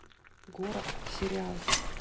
город сериал